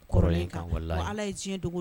Kɔrɔlen ka gɛlɛn la ala ye diɲɛ dogo